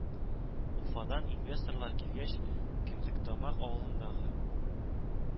Уфадан инвесторлар килгәч, Кендектамак авылындагы